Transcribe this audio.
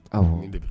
De